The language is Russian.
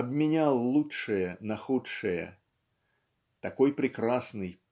обменял лучшее на худшее. Такой прекрасный